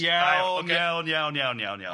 Iawn iawn iawn iawn iawn iawn iawn iawn.